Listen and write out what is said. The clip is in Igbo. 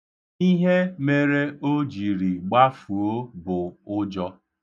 Ihe mere o jiri gbafuo bụ ụjọ.